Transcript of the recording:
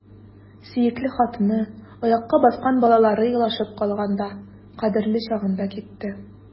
Сөекле хатыны, аякка баскан балалары елашып калганда — кадерле чагында китте!